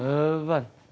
vớ vẩn